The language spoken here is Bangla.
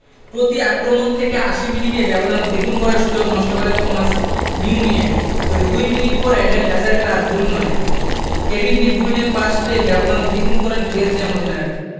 প্রতি আক্রমণ থেকে ৮০ মিনিটে ব্যবধান দ্বিগুণ করার সুযোগ নষ্ট করেন থমাস মিউনিয়ের তবে দুই মিনিট পর এডেন হ্যাজার্ডের আর ভুল নয় কেভিন ডি ব্রুইনের পাস পেয়ে ব্যবধান দ্বিগুণ করেন বেলজিয়ান অধিনায়ক